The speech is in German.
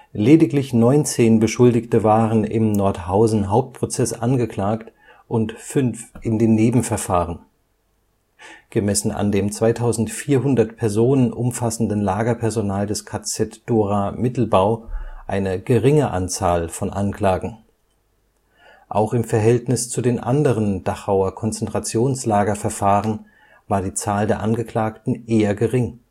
Lediglich 19 Beschuldigte waren im Nordhausen-Hauptprozess angeklagt und fünf in den Nebenverfahren – gemessen an dem 2.400 Personen umfassenden Lagerpersonal des KZ Dora-Mittelbau eine geringe Anzahl von Anklagen. Auch im Verhältnis zu den anderen Dachauer Konzentrationslagerverfahren war die Zahl der Angeklagten eher gering